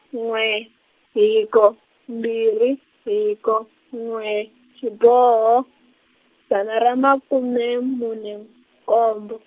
n'we hiko mbirhi hiko n'we xiboho, dzana ra makume mune, nkombo.